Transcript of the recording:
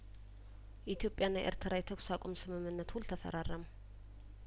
ኢትዮጵያና ኤርትራ የተኩስ አቁም ስምምነት ውል ተፈራረሙ